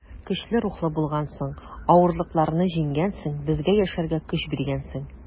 Көчле рухлы булгансың, авырлыкларны җиңгәнсең, безгә яшәргә көч биргәнсең.